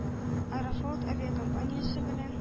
«аэрофлот» авиакомпаниясе белән